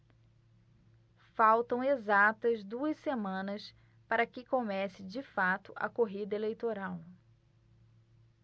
faltam exatas duas semanas para que comece de fato a corrida eleitoral